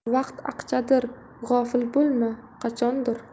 vaqt aqchadur g'ofil bo'lma qochadur